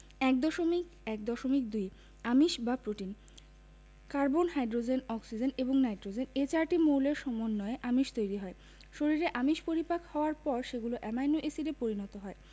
১.১.২ আমিষ বা protein carbon hydrogen oxygen এবং নাইট্রোজেন এ চারটি মৌলের সমন্বয়ে আমিষ তৈরি হয় শরীরে আমিষ পরিপাক হওয়ার পর সেগুলো অ্যামাইনো এসিডে পরিণত হয়